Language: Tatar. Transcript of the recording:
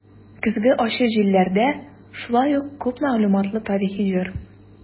"көзге ачы җилләрдә" шулай ук күп мәгълүматлы тарихи җыр.